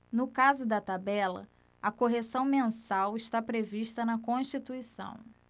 no caso da tabela a correção mensal está prevista na constituição